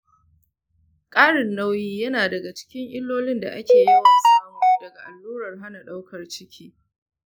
ƙarin nauyi yana daga cikin illolin da ake yawan samu daga allurar hana ɗaukar ciki.